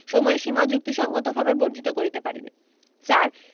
সময়সীমা যুক্তিসংগতভাবে বর্ধিত করিতে পারিবে ৪